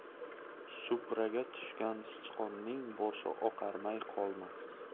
supraga tushgan sichqonning boshi oqarmay qolmas